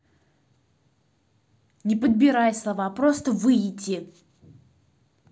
не подбирай слова а просто выйти